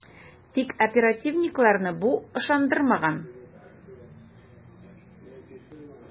Тик оперативникларны бу ышандырмаган ..